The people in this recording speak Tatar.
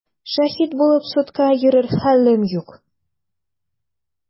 Шаһит булып судка йөрер хәлем юк!